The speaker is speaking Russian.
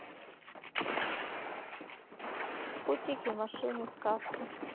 кукутики машины сказки